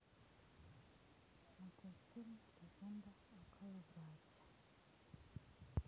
смотреть фильм легенда о коловрате